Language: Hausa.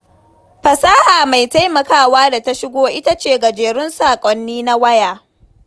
Fasaha mai taimakawa da ta shigo ita ce gajerun saƙonni na waya.